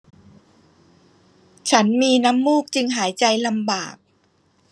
ฉันมีน้ำมูกจึงหายใจลำบาก